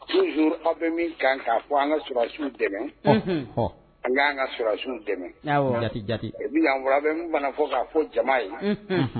Su aw bɛ min kan fɔ an ka susiw dɛmɛ an ka an ka susisiw dɛmɛ bɛura mana fɔ k'a fɔ jama ye